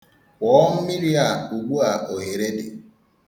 Kwọọ mmiri a ugbua ohere dị.